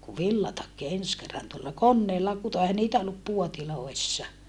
kun villatakki ensi kerran tuolla koneella kutoi eihän niitä ollut puodeissa